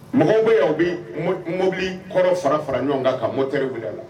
Mɔgɔw bɛ aw bɛ mobilikɔrɔ fara fara ɲɔgɔn kan ka mo teriri wulila la